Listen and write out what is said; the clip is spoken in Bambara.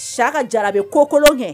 S ka jarabe kokolo kɛ